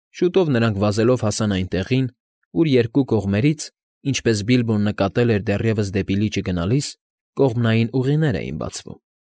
Շուտով նրանք վազելով հասան այն տեղին, ուր երկու կողմերից, ինչպես Բիլբոն նկատել էր դեռևս դեպի լիճը գնալիս, կողմնային ուղիներ էին բացվում։